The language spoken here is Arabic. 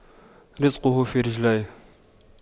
رِزْقُه في رجليه